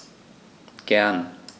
Gern.